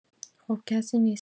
خب کسی نیست